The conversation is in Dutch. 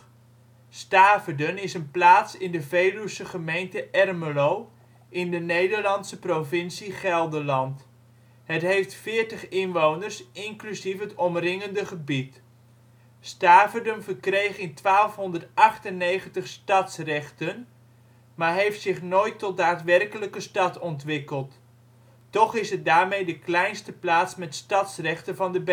Staverden is een plaats in de Veluwse gemeente Ermelo, in de Nederlandse provincie Gelderland. Het heeft 40 inwoners (2005), inclusief het omringende gebied. Staverden verkreeg in 1298 stadsrechten, maar heeft zich nooit tot daadwerkelijke stad ontwikkeld. Toch is het daarmee de kleinste plaats met stadsrechten van de